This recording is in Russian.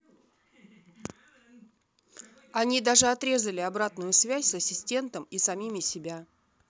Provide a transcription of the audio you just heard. они даже отрезали обратную связь с ассистентом и самими себя